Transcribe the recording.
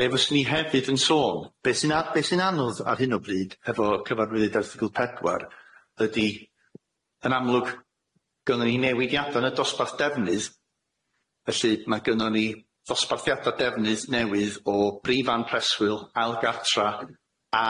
Be' fyswn i hefyd yn sôn be' sy'n a- be' sy'n anodd ar hyn o bryd hefo cyfarwyddyd erthygl pedwar ydi yn amlwg gynnon ni newidiada yn y dosbarth defnydd felly ma' gynnon ni ddosbarthiada defnydd newydd o brifan, preswyl, ail gartra a